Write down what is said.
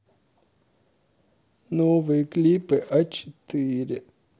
новые клипы а четыре